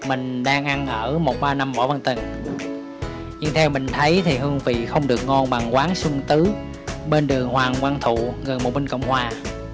mình đang ăn ở võ văn tần nhưng theo mình thấy thì hương vị không ngon bằng quán xuân tứ bên đường hoàng văn thụ gần bùng binh cộng hòa